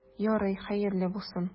Ярый, хәерле булсын.